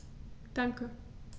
Danke.